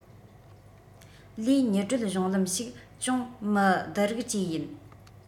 ལས མྱུར བགྲོད གཞུང ལམ ཞིག ཅུང མི བསྡུ རིགས བཅས ཡིན